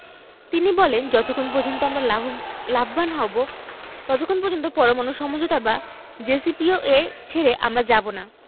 তিনি বলেন যতক্ষণ পর্যন্ত আমরা লাভবা লাভবান হব ততক্ষণ পর্যন্ত পরমাণু সমঝোতা বা জেসিপিওএ ছেড়ে আমরা যাব না